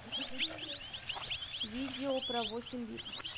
видео про восемь бит